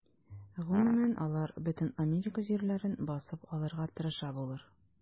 Гомумән, алар бөтен Америка җирләрен басып алырга тырыша булыр.